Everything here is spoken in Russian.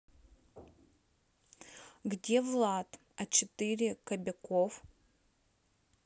где влад а четыре кобяков